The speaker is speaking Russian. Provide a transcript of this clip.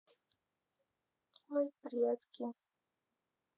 ой предки